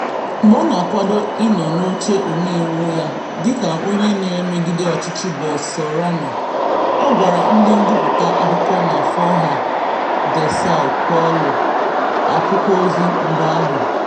Mgbe ọ na-akwado ịnọ n'oche omeiwu ya dịka onye na-emegide ọchịchị Bolsonaro, ọ gwara ndị ngụpụta akụkọ na Folha de São Paulo, akwụkwọozi mba ahụ: